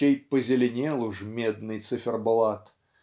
чей позеленел уж медный циферблат